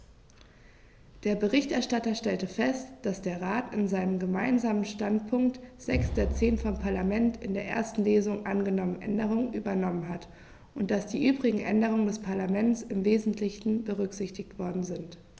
Der Berichterstatter stellte fest, dass der Rat in seinem Gemeinsamen Standpunkt sechs der zehn vom Parlament in der ersten Lesung angenommenen Änderungen übernommen hat und dass die übrigen Änderungen des Parlaments im wesentlichen berücksichtigt worden sind.